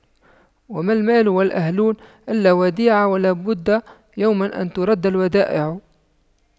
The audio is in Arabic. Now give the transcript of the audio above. وما المال والأهلون إلا وديعة ولا بد يوما أن تُرَدَّ الودائع